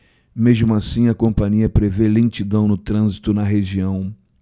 mesmo assim a companhia prevê lentidão no trânsito na região